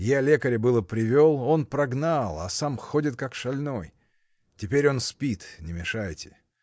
Я лекаря было привел, он прогнал, а сам ходит как шальной. Теперь он спит, не мешайте.